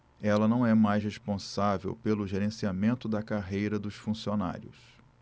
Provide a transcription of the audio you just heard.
ela não é mais responsável pelo gerenciamento da carreira dos funcionários